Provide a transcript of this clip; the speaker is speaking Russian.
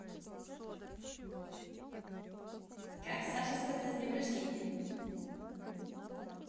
как сашей сказать с днем рождения